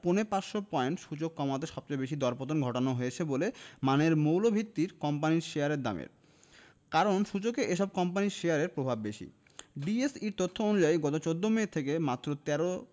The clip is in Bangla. পৌনে ৫০০ পয়েন্ট সূচক কমাতে সবচেয়ে বেশি দরপতন ঘটানো হয়েছে ভালো মানের মৌলভিত্তির কোম্পানির শেয়ারের দামের কারণ সূচকে এসব কোম্পানির শেয়ারের প্রভাব বেশি ডিএসইর তথ্য অনুযায়ী গত ১৪ মে থেকে মাত্র ১৩